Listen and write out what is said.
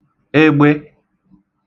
egbe